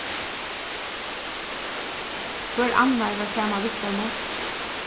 hvør annar var saman við teimum